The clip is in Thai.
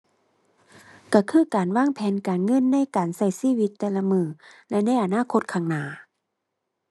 ก็คือการวางแผนการเงินในการก็ชีวิตแต่ละมื้อและในอนาคตข้างหน้า